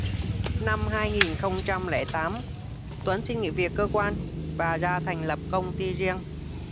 năm hai nghìn không trăm lẻ tám tuấn xin nghỉ việc cơ quan và ra thành lập công ty riêng